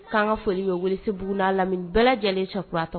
K'an ka foli ye wulisi b'a la bɛɛ lajɛlen sakuratɔ